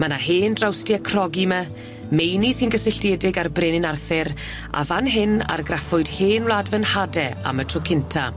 Ma' 'na hen drawstie crogi 'ma meini sy'n gysylltiedig â'r brenin Arthur a fan hyn argraffwyd hen wlad fy nhade am y tro cynta.